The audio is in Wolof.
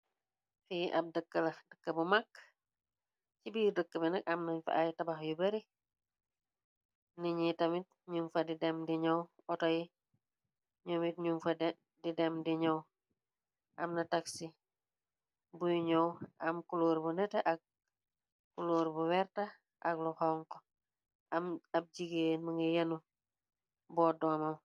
Fi ab dëkk la dëkk bu magg ci biir dëkk binag amna fa ay tabax yu bare niñi tamit ñum fa di dem di ñëw oto y ñu mit ñum fa di dem di ñëw am na taxi buy ñoow am kuloor bu nete ak kuloor bu werta ak lu xonk ab jigéer ma nga yenu boo doomam.